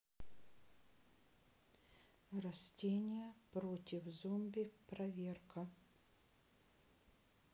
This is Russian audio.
растения против зомби проверка